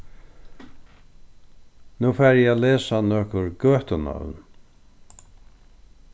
nú fari eg at lesa nøkur gøtunøvn